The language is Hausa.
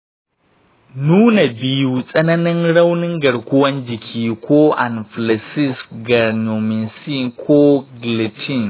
nuna biyu, tsananin raunin garkuwar jiki, ko anaphylaxis ga neomycin ko gelatin.